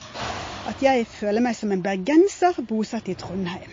At jeg føler meg som en bergenser bosatt i Trondheim.